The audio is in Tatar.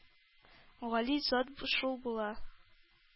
Гали зат шул була...